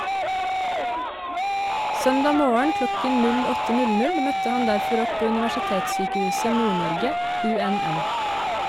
Søndag morgen klokken 08:00 møtte han derfor opp på Universitetssykehuset Nord-Norge (UNN).